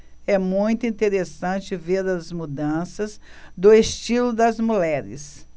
é muito interessante ver as mudanças do estilo das mulheres